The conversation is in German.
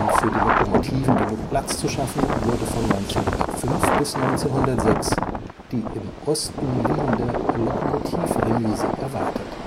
für die Lokomotiven genug Platz zu schaffen, wurde von 1905 bis 1906 die im Osten liegende Lokomotivremise erweitert